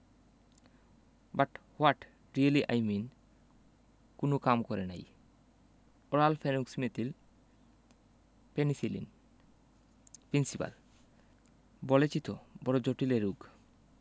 but what really I mean কোন কাম করে নাই ওরাল ফেনোক্সিমেথিল পেনিসিলিন প্রিন্সিপাল বলেছি তো বড় জটিল এ রোগ